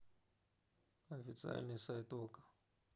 официальный сайт окко